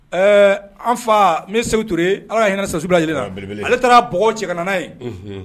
Ɛɛ an fa min segu tour ala hinɛ sasuda ale taara bɔgɔ cɛ ka n' ye